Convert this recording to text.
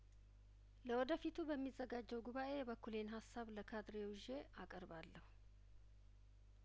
ለወደፊቱ በሚዘጋጀው ጉባኤ የበኩሌን ሀሳብ ለካድሬው ይዤ አቀርባለሁ